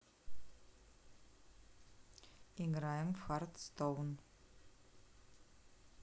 играем в хардстоун